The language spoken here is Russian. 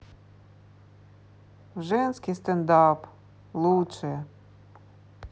женский стендап лучшее